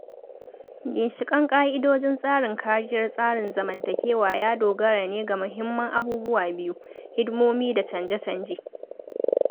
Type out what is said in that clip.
Ginshiƙan ƙa'idojin tsarin kariyar tsarin zamantakewa ya dogara ne ga muhimman abubuwa biyu: hidimomi da canje-canje.